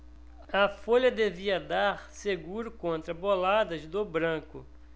a folha devia dar seguro contra boladas do branco